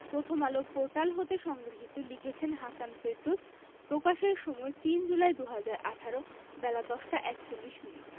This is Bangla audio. প্রথমআলো পোর্টাল হতে সংগৃহীত লিখেছেন হাসান ফেরদৌস প্রকাশের সময় ৩ জুলাই ২০১৮ বেলা ১০টা ৪১মিনিট